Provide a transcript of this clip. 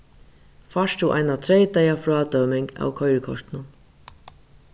fært tú eina treytaða frádøming av koyrikortinum